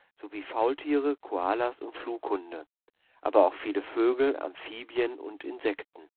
sowie Faultiere, Koalas und Flughunde, aber auch viele Vögel, Amphibien und Insekten